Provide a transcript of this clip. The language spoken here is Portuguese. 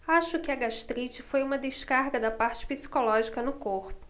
acho que a gastrite foi uma descarga da parte psicológica no corpo